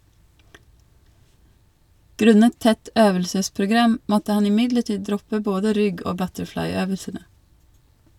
Grunnet tett øvelsesprogram måtte han imidlertid droppe både rygg- og butterfly-øvelsene.